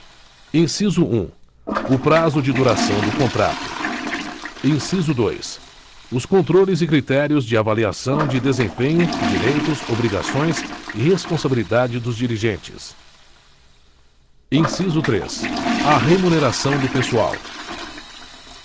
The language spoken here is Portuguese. inciso um o prazo de duração do contrato inciso dois os controles e critérios de avaliação de desempenho direitos obrigações e responsabilidade dos dirigentes inciso três a remuneração do pessoal